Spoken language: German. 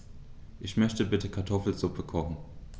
Ich möchte bitte Kartoffelsuppe kochen.